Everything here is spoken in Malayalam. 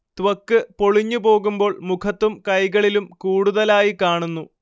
ത്വക്ക് പൊളിഞ്ഞു പോകുമ്പോൾ മുഖത്തും കൈകളിലും കൂടുതലായി കാണുന്നു